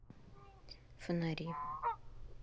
фонари